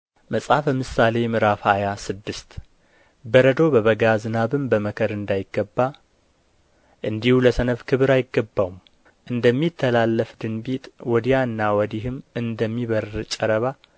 መጽሐፈ ምሳሌ ምዕራፍ ሃያ ስድስት በረዶ በበጋ ዝናብም በመከር እንዳይገባ እንዲሁ ለሰነፍ ክብር አይገባውም እንደሚተላለፍ ድንቢጥ ወዲያና ወዲህም እንደሚበርር ጨረባ